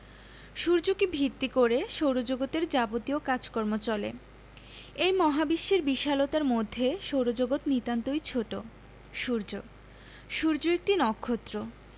সূর্যকে ভিত্তি করে সৌরজগতের যাবতীয় কাজকর্ম চলে এই মহাবিশ্বের বিশালতার মধ্যে সৌরজগৎ নিতান্তই ছোট সূর্যঃ সূর্য একটি নক্ষত্র